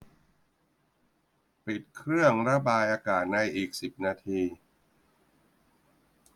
ปิดเครื่องระบายอากาศในอีกสิบนาที